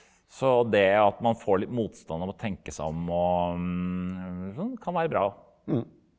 så det at man får litt motstand og må tenke seg om og kan være bra.